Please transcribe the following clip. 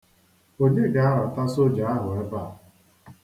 Onye ga-arata soja ahụ ebe a?